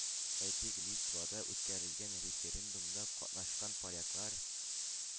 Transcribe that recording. Әйтик, Литвада үткәрелгән референдумда катнашкан поляклар,